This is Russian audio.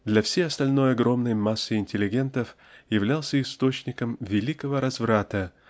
для всей остальной огромной массы интеллигентов являлся источником великого разврата